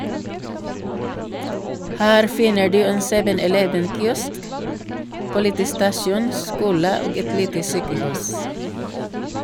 Her finner du en 7-eleven kiosk, politistasjon, skole og et lite sykehus.